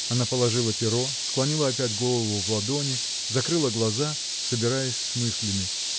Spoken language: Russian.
Она положила перо, склонила опять голову в ладони, закрыла глаза, собираясь с мыслями.